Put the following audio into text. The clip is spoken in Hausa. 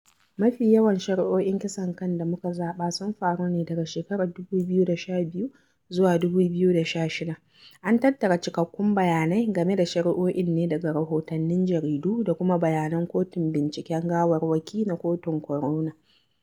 Mafi yawan shari'o'in kisan kai da muka zaba sun faru ne daga shekarar 2012 zuwa 2016. An tattara cikakkun bayanai game da shari'o'in ne daga rahotannin jaridu da kuma bayanan kotun binciken gawarwaki na kotun Coroner